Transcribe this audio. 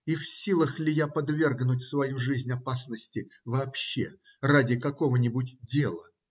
И в силах ли я подвергнуть свою жизнь опасности вообще ради какого-нибудь дела?